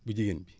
bu jigéen bi